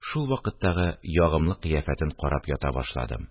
Шул вакыттагы ягымлы кыяфәтен карап ята башладым